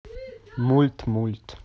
мульт мульт